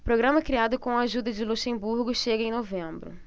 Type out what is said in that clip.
programa criado com a ajuda de luxemburgo chega em novembro